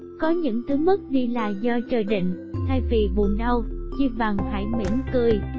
có những thứ mất đi là do trời định thay vì buồn đau chi bằng hãy mỉm cười